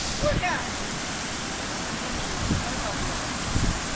а в бужаниново какая погода